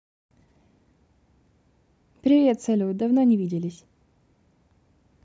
привет салют давно не виделись